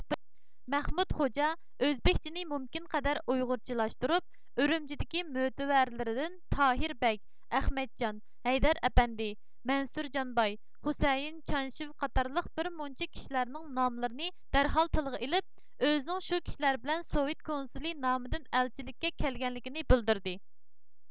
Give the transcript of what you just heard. مەھمۇت خوجا ئۆزبېكچىنى مۇمكىنقەدەر ئۇيغۇرچىلاشتۇرۇپ ئۈرۈمچىدىكى مۆتىۋەرلىرىدىن تاھىر بەگ ئەخمەتجان ھەيدەر ئەپەندى مەنسۇرجانباي خۇسەيىن چانشېۋ قاتارلىق بىر مۇنچە كىشىلەرنىڭ ناملىرىنى دەرھال تىلغا ئېلىپ ئۆزىنىڭ شۇ كىشىلەر بىلەن سوۋېت كونسۇلى نامىدىن ئەلچىلىككە كەلگەنلىكىنى بىلدۈردى